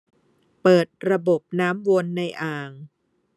เปิดระบบน้ำวนในอ่าง